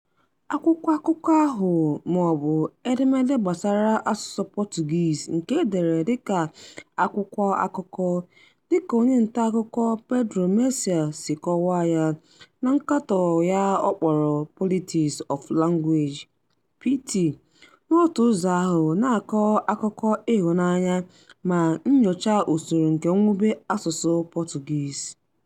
Akwụkwọakụkọ ahụ - maọbụ "edemede gbasara asụsụ Portuguese nke e dere dịka akwụkwọakụkọ", dịka onye ntaakụkọ Pedro Mexia si kọwaa ya na nkatọ ya ọ kpọrọ Politics of Language [pt] - n'otu ụzọ ahụ na-akọ akụkọ ịhụnanya ma nyochaa usoro nke mwube asụsụ Portuguese.